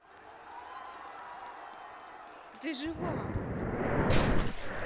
ты жива